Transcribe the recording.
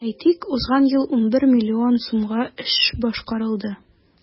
Әйтик, узган ел 11 миллион сумга эш башкарылды.